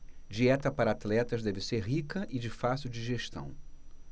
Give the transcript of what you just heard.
dieta para atletas deve ser rica e de fácil digestão